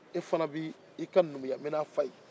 i fana b'i ka numuya minɛn fa yen